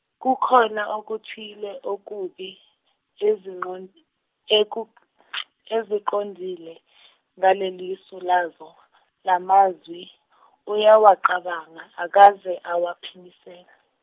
kukhona okuthile okubi, ezinqo, eku- ezikuqondile ngalelisu lazo, lamazwi uyawacabanga akaze awaphimisela.